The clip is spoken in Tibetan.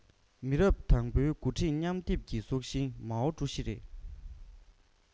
མི རབས དང པོའི འགོ ཁྲིད མཉམ སྡེབ ཀྱི སྲོག ཤིང ནི མའོ ཀྲུའུ ཞི རེད